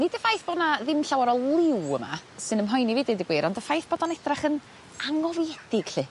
Nid y ffaith bo' 'na ddim llawer o liw yma sy'n fy mhoeni fi deud y gwir ond y ffaith bod o'n edrach yn anghofiedig lly.